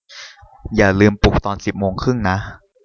อย่าลืมปลุกตอนสิบโมงครึ่งนะ